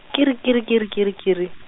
kirrr i kirrr i kirrr i kirrr i kirrr i.